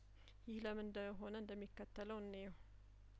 ይህ ለምን እንደሆነ እንደሚከተለው እንየው